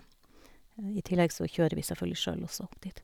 I tillegg så kjører vi selvfølgelig sjøl også, dit.